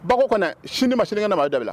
Bako kɔnɛ sinima sinikɛnɛ ma a bɛ dabila